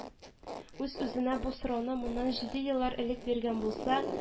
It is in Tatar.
Үз-үзенә бу сорауны моннан җиде еллар элек биргән булса